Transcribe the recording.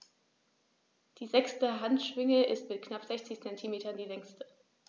Die sechste Handschwinge ist mit knapp 60 cm die längste.